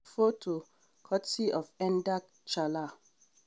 Photo courtesy of Endalk Chala.